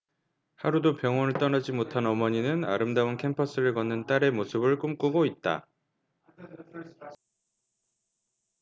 하루도 병원을 떠나지 못한 어머니는 아름다운 캠퍼스를 걷는 딸의 모습을 꿈꾸고 있다